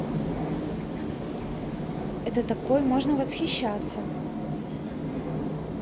это такой можно восхищаться